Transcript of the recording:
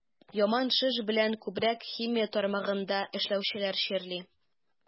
Яман шеш белән күбрәк химия тармагында эшләүчеләр чирли.